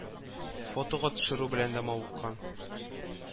Фотога төшерү белән дә мавыккан